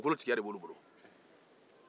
dugukolo tigiya de b'olu bolo